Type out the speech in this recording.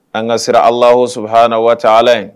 An ka siran alah sɔrɔ hana waati ala ye